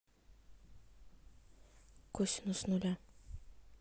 косинус нуля